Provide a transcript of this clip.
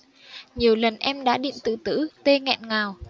nhiều lần em đã định tự tử t nghẹn ngào